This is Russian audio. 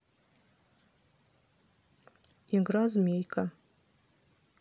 игра змейка